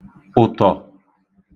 ụ̀tọ̀